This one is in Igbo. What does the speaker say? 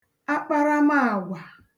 akparamaàgwà